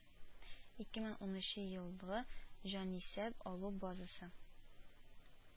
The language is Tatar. Ике мең унынчы елгы җанисәп алу базасы